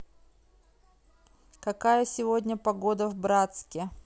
какая сегодня погода в братске